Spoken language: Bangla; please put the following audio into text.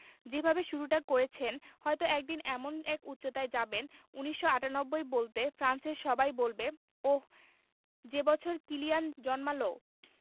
যেভাবে শুরুটা করেছেন হয়তো একদিন এমন এক উচ্চতায় যাবেন ১৯৯৮ বলতে ফ্রান্সের সবাই বলবে ওহ্ যে বছর কিলিয়ান জন্মাল